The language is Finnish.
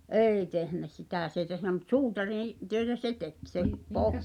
ei tehnyt sitä se ei tehnyt mutta suutariin töitä se teki se -